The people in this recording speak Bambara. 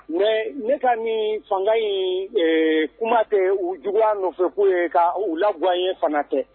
Mais ne ka nin fanga in ɛɛ kuma tɛ u juguya nɔfɛ ko ye, ka u lagoyaɲɛ fana tɛ.